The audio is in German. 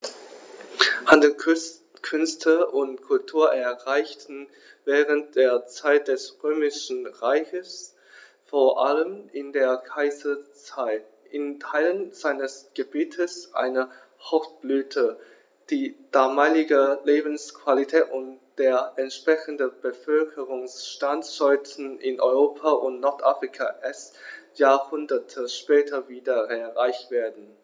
Handel, Künste und Kultur erreichten während der Zeit des Römischen Reiches, vor allem in der Kaiserzeit, in Teilen seines Gebietes eine Hochblüte, die damalige Lebensqualität und der entsprechende Bevölkerungsstand sollten in Europa und Nordafrika erst Jahrhunderte später wieder erreicht werden.